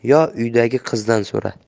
uydagi qizdan so'ra